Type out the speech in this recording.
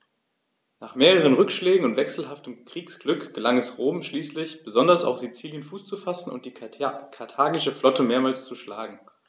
Nach mehreren Rückschlägen und wechselhaftem Kriegsglück gelang es Rom schließlich, besonders auf Sizilien Fuß zu fassen und die karthagische Flotte mehrmals zu schlagen.